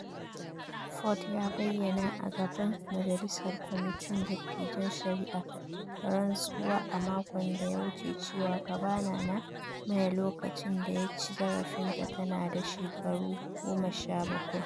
Ford ya bayyana a gaban Majalisar kwamitin Dattijan Shari'a da rantsuwa a makon da ya wuce cewa Kavanaugh na maye lokacin da yaci zarafinta tana da shekaru 17.